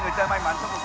chơi may mắn